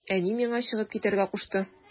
Әни миңа чыгып китәргә кушты.